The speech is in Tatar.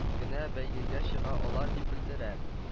Генә бәйгегә чыга ала дип белдерә